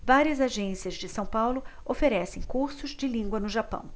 várias agências de são paulo oferecem cursos de língua no japão